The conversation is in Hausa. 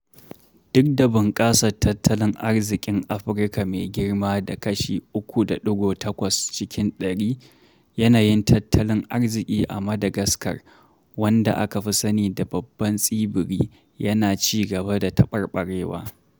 Duk da bunƙasar tattalin arzikin Afirka mai girma da kashi 3.8 cikin ɗari, yanayin tattalin arziki a Madagaskar, wanda aka fi sani da Babban Tsibiri, yana ci gaba da tabarbarewa.